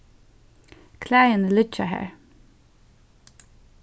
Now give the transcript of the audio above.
klæðini liggja har